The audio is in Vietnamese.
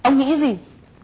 ông nghĩ gì